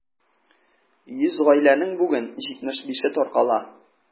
100 гаиләнең бүген 75-е таркала.